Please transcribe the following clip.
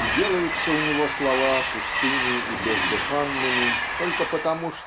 И делаются у него слова пустыми и бездыханными только потому